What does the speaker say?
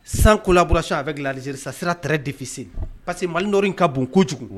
San kolakuraraso a fɛ g alizesa sira tɛ defise parce que mali n dɔ in ka bon ko kojugu